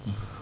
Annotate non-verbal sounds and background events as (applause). (hesitation) (hesitation)